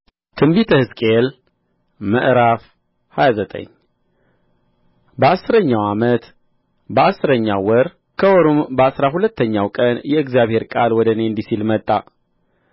በትንቢተ ሕዝቅኤል ምዕራፍ ሃያ ዘጠኝ በአሥረኛው ዓመት በአሥረኛው ወር ከወሩም በአሥራ ሁለተኛው ቀን የእግዚአብሔር ቃል ወደ እኔ እንዲህ ሲል መጣ